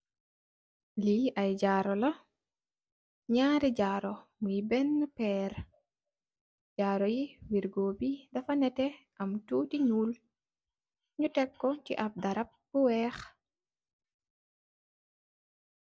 Li ay jaru la. Ñaari jaru muy benna péér, jaru yi wirgo bi dafa netteh am tutti ñuul ñi tek ko ci ap darap bu wèèx.